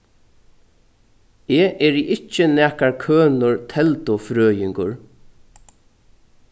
eg eri ikki nakar kønur teldufrøðingur